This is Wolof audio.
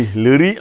d' accord